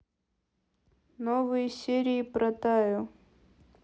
новые серии про таю